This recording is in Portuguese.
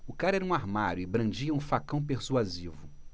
o cara era um armário e brandia um facão persuasivo